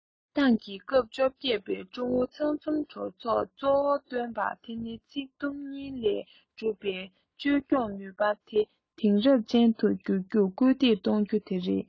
ཏང གི སྐབས བཅོ བརྒྱད པའི ཀྲུང ཨུ ཚང འཛོམས གྲོས ཚོགས གཙོ བོ བཏོན པ དེ ནི ཚིག དུམ གཉིས ལས གྲུབ པའི བཅོས སྐྱོང ནུས པ དེང རབས ཅན དུ འགྱུར རྒྱུར སྐུལ འདེད གཏོང རྒྱུ དེ རེད